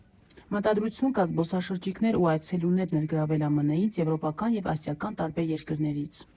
Մտադրություն կա զբոսաշրջիկներ ու այցելուներ ներգրավել ԱՄՆ֊ից, եվրոպական և ասիական տարբեր երկրներից։